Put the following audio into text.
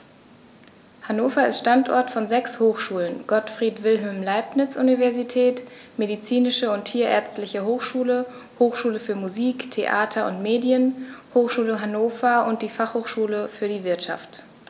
Hannover ist Standort von sechs Hochschulen: Gottfried Wilhelm Leibniz Universität, Medizinische und Tierärztliche Hochschule, Hochschule für Musik, Theater und Medien, Hochschule Hannover und die Fachhochschule für die Wirtschaft.